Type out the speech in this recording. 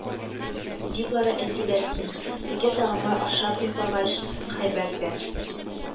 Библары әйттеләр ки, дөге тәгамы ашап йоклагач, һәйбәт вә